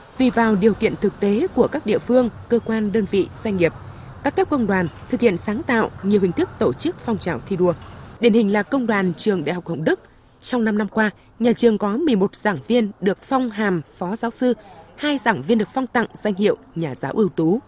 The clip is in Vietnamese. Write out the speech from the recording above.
tùy vào điều kiện thực tế của các địa phương cơ quan đơn vị doanh nghiệp các cấp công đoàn thực hiện sáng tạo nhiều hình thức tổ chức phong trào thi đua điển hình là công đoàn trường đại học hồng đức trong năm năm qua nhà trường có mười một giảng viên được phong hàm phó giáo sư hai giảng viên được phong tặng danh hiệu nhà giáo ưu tú